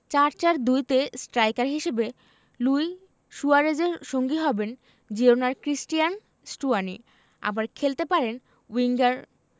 ৪ ৪ ২ তে স্ট্রাইকার হিসেবে লুই সুয়ারেজের সঙ্গী হবেন জিরোনার ক্রিস্টিয়ান স্টুয়ানি আবার খেলতে পারেন উইঙ্গার